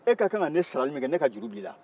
e ka kan ka ne sarali min kɛ ne ka juru b'i la